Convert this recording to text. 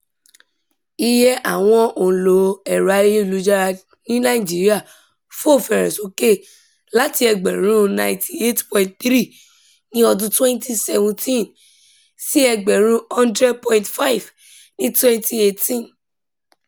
Iye àwọn òǹlò ẹ̀rọ ayélujára ní Nàìjíríà fò fẹ̀rẹ̀ sókè láti ẹgbẹẹgbẹ̀rún 98.3 ní ọdún-un 2017 sí ẹgbẹẹgbẹ̀rún 100.5 ní 2018.